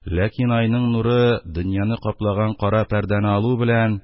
Ләкин айның нуры дөньяны каплаган кара пәрдәне алу белән